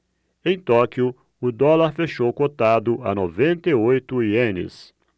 em tóquio o dólar fechou cotado a noventa e oito ienes